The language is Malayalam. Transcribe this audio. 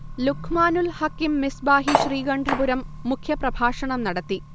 ലുഖ്മാനുൽ ഹക്കീം മിസ്ബാഹി ശ്രീകണ്ഠപുരം മുഖ്യ പ്രഭാഷണം നടത്തി